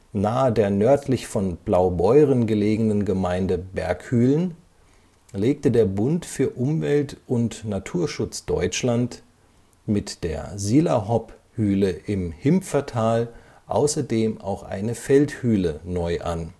Nahe der nördlich von Blaubeuren gelegenen Gemeinde Berghülen legte der Bund für Umwelt und Naturschutz Deutschland mit der Silahopp-Hüle im Himpfertal außerdem auch eine Feldhüle neu an